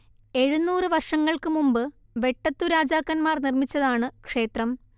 എഴുന്നൂറ് വർഷങ്ങൾക്കു മുമ്പ് വെട്ടത്തു രാജാക്കൻമാർ നിർമ്മിച്ചതാണ് ക്ഷേത്രം